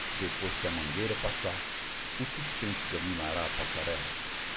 depois que a mangueira passar o suspense dominará a passarela